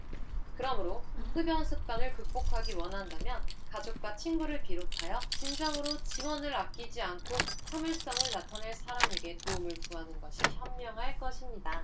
그러므로 흡연 습관을 극복하기 원한다면 가족과 친구를 비롯하여 진정으로 지원을 아끼지 않고 참을성을 나타낼 사람에게 도움을 구하는 것이 현명할 것입니다